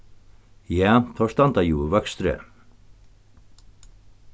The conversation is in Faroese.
ja teir standa jú í vøkstri